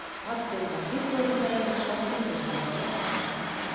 Габделвахит ролендә инде шактый тәҗрибәле артист.